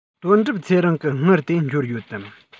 དོན གྲུབ ཚེ རིང གི དངུལ དེ འབྱོར ཡོད དམ